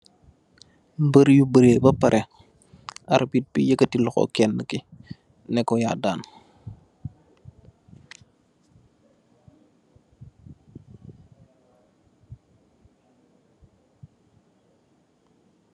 Mbër yu bëre bë pare. Arbit bi yekati loxo keenú ki nëko yaa daan.